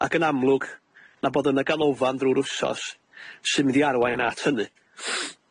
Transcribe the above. Ac yn amlwg, na bod yn y ganolfan drw'r wsos sy'n mynd i arwain at hynny.